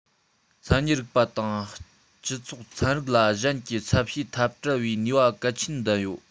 མཚན ཉིད རིག པ དང སྤྱི ཚོགས ཚན རིག ལ གཞན གྱི ཚབ བྱེད ཐབས བྲལ བའི ནུས པ གལ ཆེན ལྡན ཡོད